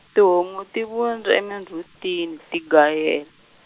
tihomu ti vundza emindzhutini ti gayel-.